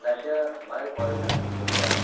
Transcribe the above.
nasha may oyidan gulga kiradi